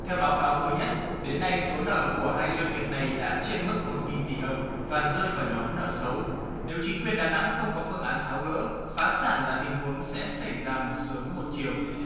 theo báo cáo mới nhất đến nay số nợ của hai doanh nghiệp này đã trên mức một nghìn tỷ đồng và rơi vào nhóm nợ xấu nếu chính quyền đà nẵng không có phương án tháo gỡ phá sản là tình huống sẽ xảy ra một sớm một chiều